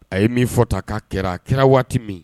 A ye min fɔ ta k'a kɛra a kɛra waati min